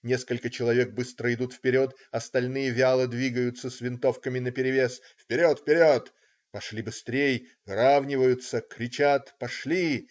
Несколько человек быстро идут вперед, остальные вяло двигаются с винтовками наперевес. "Вперед! вперед!" Пошли быстрей. Выравниваются, кричат. Пошли.